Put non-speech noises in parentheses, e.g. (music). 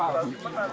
(crosstalk) (hesitation) (hesitation)